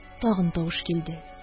Тагын тавыш килде